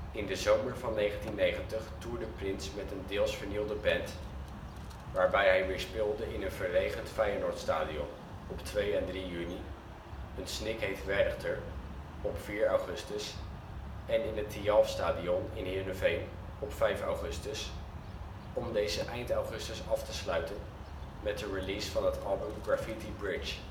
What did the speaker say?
In de zomer van 1990 toerde Prince met een deels vernieuwde band, waarbij hij weer speelde in een verregend Feyenoordstadion (2 en 3 juni), een snikheet Werchter (4 augustus) en in het Thialfstadion in Heerenveen (5 augustus), om deze eind augustus af te sluiten met de release van het album Graffiti Bridge